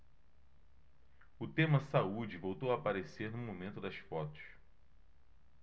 o tema saúde voltou a aparecer no momento das fotos